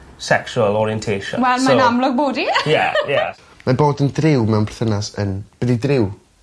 sexual orientation. Wel ma'n amlwg bod 'i. Ie ie. Ma'n bod yn driw mewn perthynas yn... Be' 'di driw?